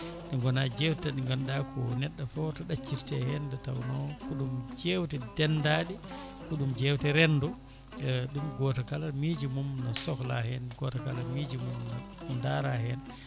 ɗe goona jewte tan ɗe ganduɗa ko neɗɗo fo to ɗaccirte hen nde tawno ko ɗum jewte dendaɗe ko ɗum jewte rendo ɗum goto kala miijo mum ne sohla hen goto miijo mum ne daara hen